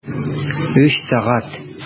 Өч сәгать!